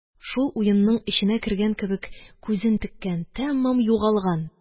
Шул уенның эченә кергән кебек күзен теккән, тәмамән югалган..